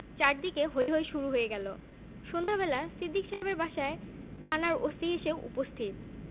চারদিকে হৈ হৈ শুরু হয়ে গেল সন্ধ্যাবেলা সিদ্দিক সাহেবের বাসায় থানার ওসি এসে উপস্থিত